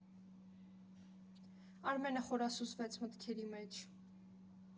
Արմենը խորասուզվեց մտքերի մեջ։